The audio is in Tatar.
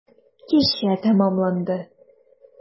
Кичә тәмамланды.